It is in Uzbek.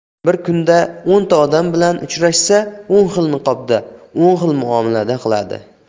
bir kunda o'nta odam bilan uchrashsa o'n xil niqobda o'n xil muomala qiladi